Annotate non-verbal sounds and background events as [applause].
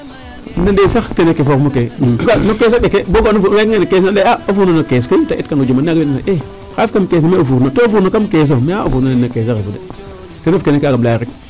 Nandee sax forme fe no kees a ɓeke bo ga'oona nqeñ neene a lay e o fourneaux no kees [unintelligible] xa ref kam kees ne me o fourneaux te o fourneaux kam kees o. Mais a o fourneaux lene de kam kees a refu de ten ref kene kaaga um layaa rek .